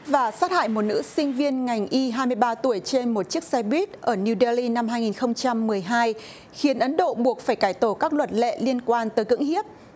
và sát hại một nữ sinh viên ngành y hai mươi ba tuổi trên một chiếc xe buýt ở niu đe li năm hai nghìn không trăm mười hai khiến ấn độ buộc phải cải tổ các luật lệ liên quan tới cưỡng hiếp